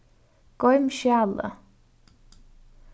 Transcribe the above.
goym skjalið